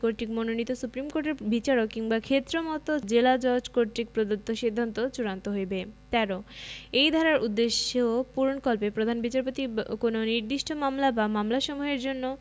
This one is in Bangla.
কর্তৃক মনোনীত সুপ্রীম কোর্টের বিচারক কিংবা ক্ষেত্রমত জেলাজজ কর্তৃক প্রদত্ত সিদ্ধান্ত চূড়ান্ত হইবে ১৩ এই ধারার উদ্দেশ্য পূরণকল্পে প্রধান বিচারপতি কোন নির্দিষ্ট মামলা বা মামলাসমূহের জন্য